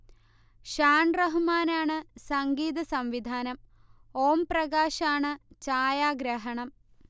ഷാൻ റഹ്മാനാണ് സംഗീതസംവിധാനം, ഓം പ്രകാശാണ് ഛായാഗ്രാഹണം